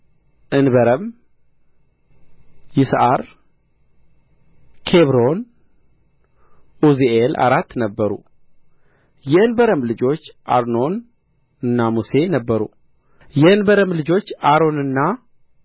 እንበረም ይስዓር ኬብሮን ዑዝኤል አራት ነበሩ የእንበረም ልጆች አሮንና